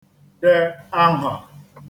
dẹ ahwà